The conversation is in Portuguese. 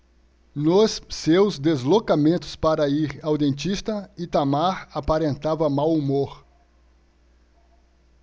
nos seus deslocamentos para ir ao dentista itamar aparentava mau humor